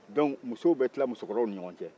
dɔnc musow bɛ tilan musokɔrɔbaw ni ɲɔgɔn cɛ